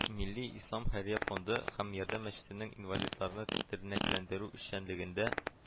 Милли ислам хәйрия фонды һәм “ярдәм” мәчетенең инвалидларны тернәкләндерү эшчәнлегендә